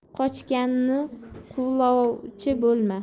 qochganni quvlovchi bo'lma